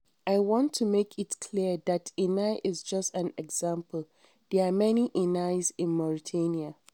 I want to make it clear that Inal is just an example; there were many ‘Inals’ in Mauritania.